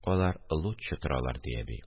Алар лутчы торалар, – ди әби